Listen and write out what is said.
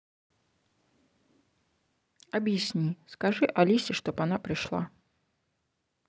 объясни скажи алисе чтобы она пришла